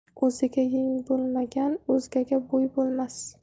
o'ziga yeng bo'lmagan o'zgaga bo'y bo'lmas